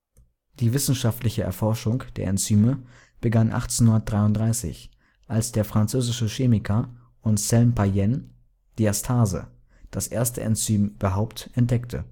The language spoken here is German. Die wissenschaftliche Erforschung der Enzyme begann 1833, als der französische Chemiker Anselme Payen Diastase das erste Enzym überhaupt entdeckte